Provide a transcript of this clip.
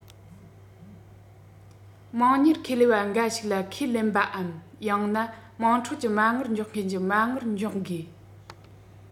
དམངས གཉེར ཁེ ལས པ འགའ ཞིག ལ ཁས ལེན པའམ ཡང ན དམངས ཁྲོད ཀྱི མ དངུལ འཇོག མཁན གྱི མ དངུལ འཇོག དགོས